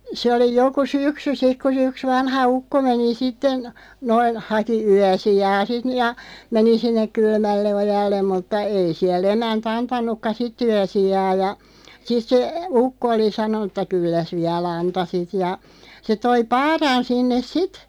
se oli joku syksy sitten kun se yksi vanha ukko meni sitten noin haki yösijaa sitten - ja meni sinne Kylmälleojalle mutta ei siellä emäntä antanutkaan sitten yösijaa ja sitten se ukko oli sanonut että kylläs vielä antaisit ja se tuo Paaran sinne sitten